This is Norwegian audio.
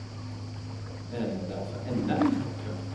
Det er også NM og cup.